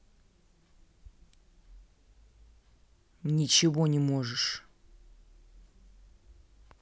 ничего не можешь